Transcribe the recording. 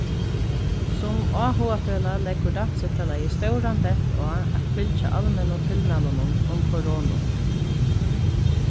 sum áhugafelag leggur dansifelagið stóran dent á at fylgja almennu tilmælunum um koronu